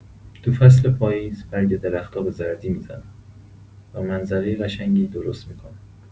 تو فصل پاییز برگ درختا به زردی می‌زنن و منظره قشنگی درست می‌کنن.